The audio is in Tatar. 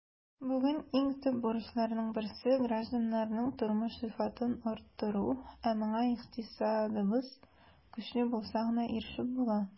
Бүген иң төп бурычларның берсе - гражданнарның тормыш сыйфатын арттыру, ә моңа икътисадыбыз көчле булса гына ирешеп була.